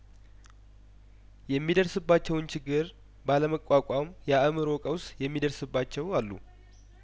የሚደርስባቸውን ችግር ባለመቋቋም የአእምሮ ቀውስ የሚደርስባቸው አሉ